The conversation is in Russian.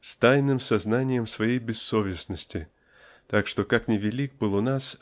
с тайным сознанием своей бессовестности так что как ни велик был у нас